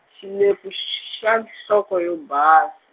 xilebvu x- xa nhloko yo bas-.